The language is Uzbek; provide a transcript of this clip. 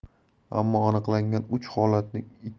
ammo aniqlangan uch holatning